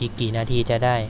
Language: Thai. อีกกี่นาทีจะได้